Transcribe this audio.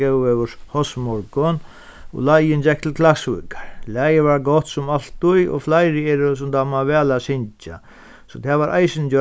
góðveðurs hósmorgun og leiðin gekk til klaksvíkar lagið var gott sum altíð og fleiri eru sum dáma væl at syngja so tað var eisini